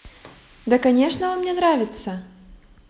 да конечно он мне нравится